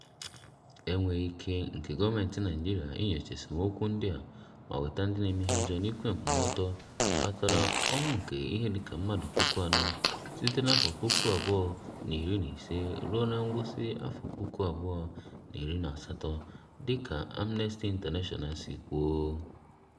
Enweghị ike nke gọọmenti Naijirịa inyocha esemokwu ndị a ma "weta ndị na-eme ihe ọjọọ n'ikpe nkwụmọtọ" kpatara ọnwụ nke ihe dịka mmadụ 4,000 site na 2015 ruo ngwụsị 2018, dịka Amnesty International si kwuo.